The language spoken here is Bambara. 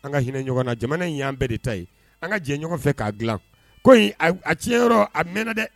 An ka hinɛ ɲɔgɔn na jamana in y'an bɛɛ de ta ye an ka jɛ ɲɔgɔn fɛ k'a dila ko a tiɲɛ yɔrɔ a mɛnɛnɛ dɛ